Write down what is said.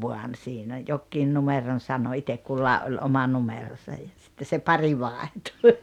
vaan sinä jokin numeron sanoi itse kullakin oli oma numeronsa ja sitten se pari vaihtui